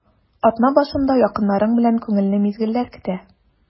Атна башында якыннарың белән күңелле мизгелләр көтә.